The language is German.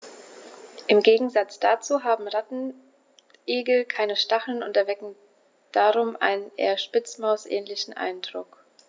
Im Gegensatz dazu haben Rattenigel keine Stacheln und erwecken darum einen eher Spitzmaus-ähnlichen Eindruck.